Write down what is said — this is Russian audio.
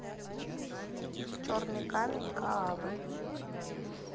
черный камень каабы